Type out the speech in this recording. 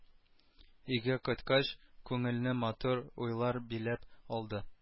Өйгә кайткач күңелне матур уйлар биләп алды